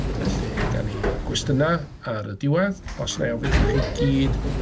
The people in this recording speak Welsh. Felly, gawn ni gwestiynau ar y diwedd. Os wna i ofyn iddach chi gyd...